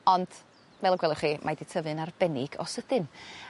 Ond mel y gelwch chi mae 'di tyfu'n arbennig o sydyn.